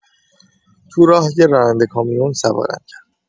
تو راه یه راننده کامیون سوارم کرد.